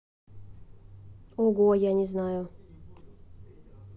ого я не знаю